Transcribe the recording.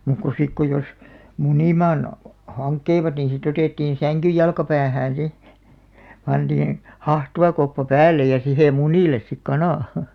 muuta kuin sitten kun jos munimaan hankkivat niin sitä otettiin sängyn jalkapäähään sitten pantiin hahtuvakoppa päälle ja siihen munille sitten kana